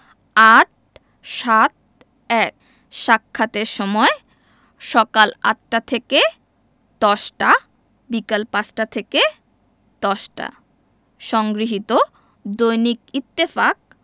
৮৭১ সাক্ষাতের সময় সকাল ৮ থেকে ১০ টা বিকাল ৫ টা থেকে ১০ টা সংগৃহীত দৈনিক ইত্তেফাক